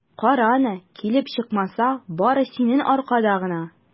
Кара аны, килеп чыкмаса, бары синең аркада гына!